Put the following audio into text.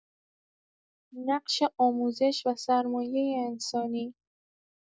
نقش آموزش و سرمایه انسانی